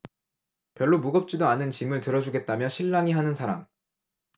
별로 무겁지도 않은 짐을 들어주겠다며 실랑이 하는 사람